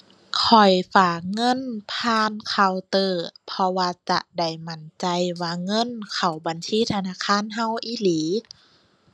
ข้อยฝากเงินผ่านเคาน์เตอร์ เพราะว่าจะได้มั่นใจว่าเงินเข้าบัญชีธนาคารเราอีหลี